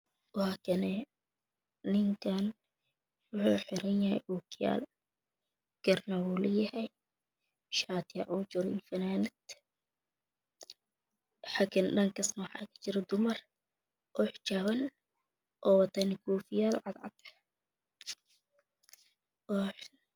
Wakanaa ninkaan waxuu xiran yahy oo kiyaal garna wuu leeyahy shitiyaa ugu jira iyo funaanad dhankaasna waxaa kajira dumar oo xijaapan oo watana koofiyaal cad cad